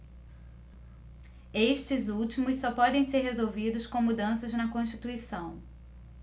estes últimos só podem ser resolvidos com mudanças na constituição